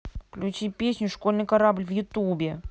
включи песню школьный корабль в ютубе